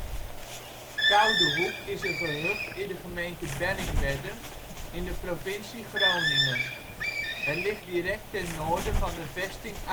Koudehoek is een gehucht in de gemeente Bellingwedde in de provincie Groningen. Het ligt direct ten noorden van de vesting